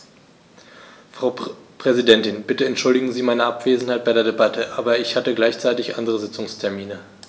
Frau Präsidentin, bitte entschuldigen Sie meine Abwesenheit bei der Debatte, aber ich hatte gleichzeitig andere Sitzungstermine.